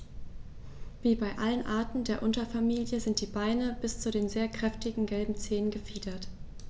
Wie bei allen Arten der Unterfamilie sind die Beine bis zu den sehr kräftigen gelben Zehen befiedert.